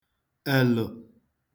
èlə̣̀